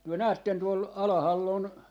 te näette tuolla alhaalla on